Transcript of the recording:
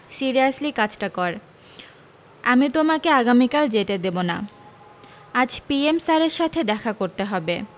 seriously কাজটা কর আমি তোমাকে আগামীকাল যেতে দেবো না আজ পিএম স্যারের সাথে দেখা করতে হবে